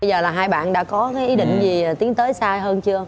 bây giờ là hai bạn đã có cái ý định gì tiến tới xa hơn chưa